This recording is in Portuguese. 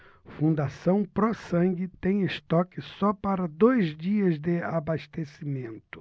fundação pró sangue tem estoque só para dois dias de abastecimento